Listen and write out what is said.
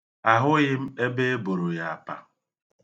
Ahụghị m ebe e boro ya apa.